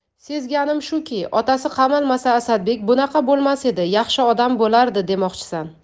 sezganim shuki otasi qamalmasa asadbek bunaqa bo'lmas edi yaxshi odam bo'lardi demoqchisan